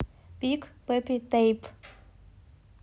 big baby tape